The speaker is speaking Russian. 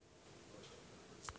ютуб загадки